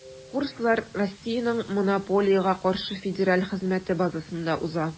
Курслар Россиянең Монополиягә каршы федераль хезмәте базасында уза.